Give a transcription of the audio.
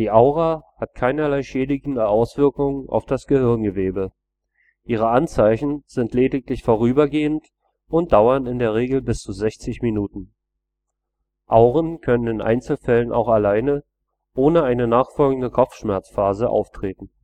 Aura hat keinerlei schädigende Auswirkungen auf das Hirngewebe, ihre Anzeichen sind lediglich vorübergehend und dauern in der Regel bis zu 60 Minuten. Auren können in Einzelfällen auch alleine, ohne eine nachfolgende Kopfschmerzphase, auftreten